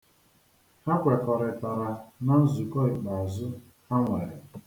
Ha kwekọrịtara na nzụkọ ikpeazu ha nwere.